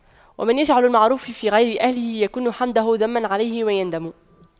ومن يجعل المعروف في غير أهله يكن حمده ذما عليه ويندم